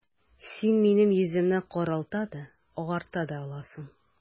Син минем йөземне каралта да, агарта да аласың...